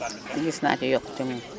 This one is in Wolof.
gis naa ci yokkute moom